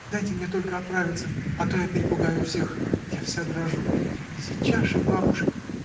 Дайте мне только оправиться, а то я перепугаю всех; я вся дрожу. Сейчас же к бабушке!